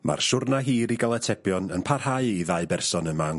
Ma'r siwrna hir i ga'l atebion yn parhau i ddau berson yma yn...